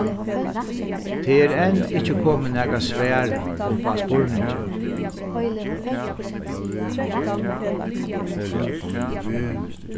tað er enn ikki komið nakað svar upp á spurningin